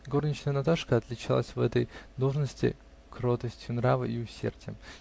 Горничная Наташка отличалась в этой должности кротостью нрава и усердием.